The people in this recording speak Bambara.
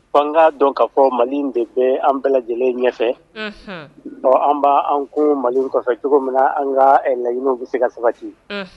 An ka dɔn k ka fɔ mali de bɛ an bɛɛ lajɛlen ɲɛfɛ ɔ an b' an ko mali kɔfɛ cogo min na an ka laɲiniw bɛ se ka sabati